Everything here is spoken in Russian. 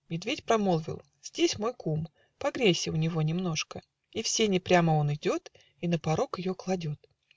Медведь промолвил: "Здесь мой кум: Погрейся у него немножко!" И в сени прямо он идет И на порог ее кладет.